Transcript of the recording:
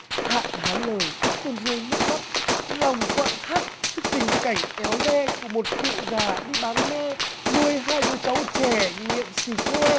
hạn hán lời tuôn rơi nước mắt lòng quặn thắt trước tình cảnh éo le của một cụ già đi bán me nuôi hai đứa cháu trẻ nghiện xì ke